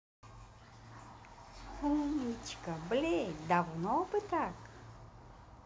умничка блейд давно бы так